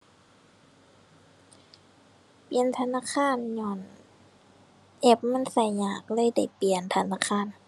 เปลี่ยนธนาคารญ้อนแอปมันใช้ยาก เลยได้เปลี่ยนธนาคาร